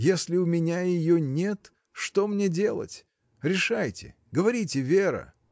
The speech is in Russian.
Если у меня ее нет: что мне делать — решайте, говорите, Вера!